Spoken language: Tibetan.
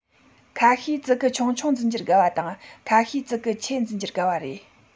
ཁ ཤས ཙི གུ ཆུང ཆུང འཛིན རྒྱུར དགའ བ དང ཁ ཤས ཙི གུ ཆེ འཛིན རྒྱུར དགའ བ རེད